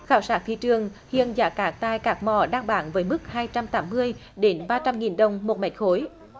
khảo sát thị trường hiện giá cát tại các mỏ đang bán với mức hai trăm tám mươi đến ba trăm nghìn đồng một mét khối